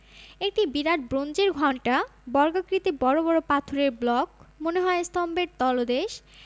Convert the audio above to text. একটি বিরাট ব্রোঞ্জের ঘণ্টা বর্গাকৃতি বড় বড় পাথরের ব্লক মনে হয় স্তম্ভের তলদেশ